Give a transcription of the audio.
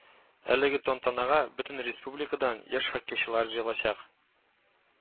Әлеге тантанага бөтен республикадан яшь хоккейчылар җыелачак